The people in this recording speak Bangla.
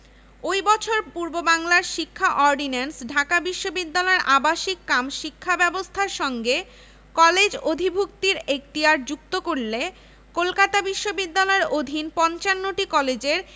ওই বছর পূর্ববাংলার শিক্ষা অর্ডিন্যান্স ঢাকা বিশ্ববিদ্যালয়ের আবাসিক কাম শিক্ষা ব্যবস্থার সঙ্গে কলেজ অধিভুক্তির এখতিয়ার যুক্ত করলে কলকাতা বিশ্ববিদ্যালয়ের অধীন ৫৫টি কলেজের